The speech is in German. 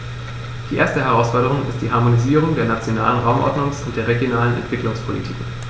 Die erste Herausforderung ist die Harmonisierung der nationalen Raumordnungs- und der regionalen Entwicklungspolitiken.